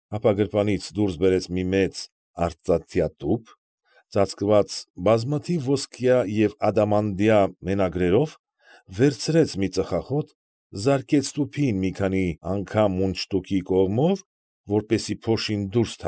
Ապա գրպանից դուրս բերեց մի մեծ արծաթյա տուփ՝ ծածկված բազմաթիվ ոսկյա և ադամանդյա մենագրերով, վերցրեց մի ծխախոտ, զարկեց տուփին մի քանի անգամ մունդշտուկի կողմով, որպեսզի փոշին դուրս։